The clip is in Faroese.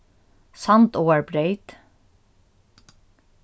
sandáarbreyt